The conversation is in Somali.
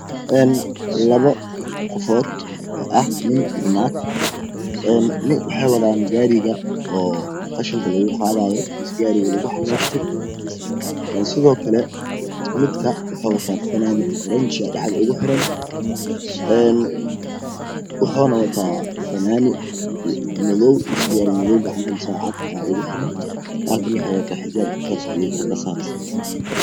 Een labo qofood oo ah nin iyo naag Een waxey wadan gariga oo Qashinka Lagu qadayo mise gariga lagu xamashto een sido kale ninka waxu wataa fananad o ranjiya dhaxda ugu xiran een wuxuna wataa fanani madow iyo surwal madow Gacantane sacad aaa ugu xiran nagtane waxey wadtaa xijaab kafe iyo garbasaar